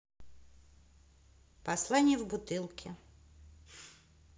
послание в бутылке